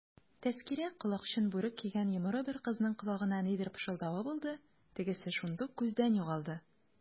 Тәзкирә колакчын бүрек кигән йомры бер кызның колагына нидер пышылдавы булды, тегесе шундук күздән югалды.